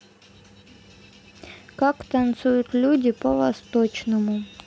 как танцуют люди по восточному